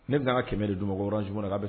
Ne bɛna tɛmɛ de duɔrɔn jun na